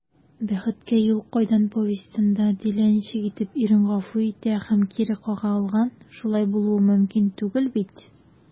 «бәхеткә юл кайдан» повестенда дилә ничек итеп ирен гафу итә һәм кире кага алган, шулай булуы мөмкин түгел бит?»